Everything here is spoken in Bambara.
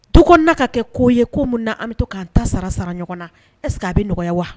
To na ka kɛ koo ye ko minnu na an bɛ to k anan ta sara sara ɲɔgɔn na ɛseke a bɛ nɔgɔya wa